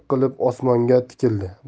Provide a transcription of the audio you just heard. qilib osmonga tikildi